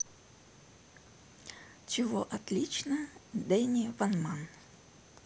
чего отлично дени ван ман